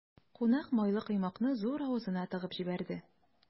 Кунак майлы коймакны зур авызына тыгып җибәрде.